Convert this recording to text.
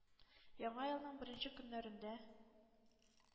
Яңа елның беренче көннәрендә